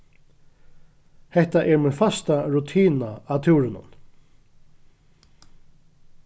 hetta er mín fasta rutina á túrinum